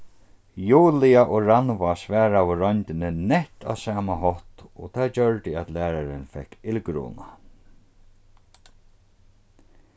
julia og rannvá svaraðu royndini nett á sama hátt og tað gjørdi at lærarin fekk illgruna